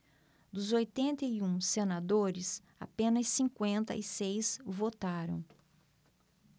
dos oitenta e um senadores apenas cinquenta e seis votaram